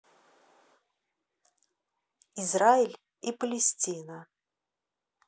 израиль и палестина